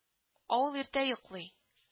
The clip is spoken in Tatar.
Авыл иртә йоклый